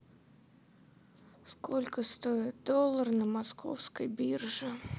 сколько стоит доллар на московской бирже